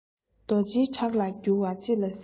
རྡོ རྗེའི བྲག ལ འགྱུར བ ཅི ལ སྲིད